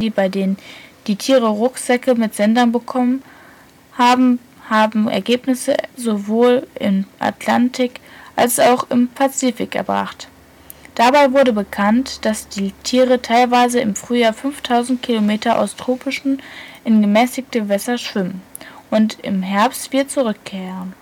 bei denen die Tiere Rucksäcke mit Sendern bekommen, haben Ergebnisse sowohl im Atlantik als auch im Pazifik erbracht. Dabei wurde bekannt, dass die Tiere teilweise im Frühjahr 5000 km aus tropischen in gemäßigte Gewässer schwimmen, und im Herbst wieder zurückkehren